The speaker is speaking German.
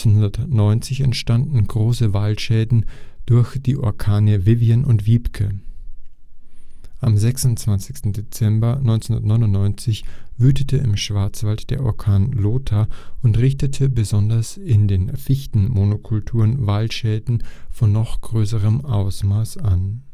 1990 entstanden große Waldschäden durch die Orkane Vivian und Wiebke. Am 26. Dezember 1999 wütete im Schwarzwald der Orkan Lothar und richtete besonders in den Fichtenmonokulturen Waldschäden von noch größerem Ausmaß an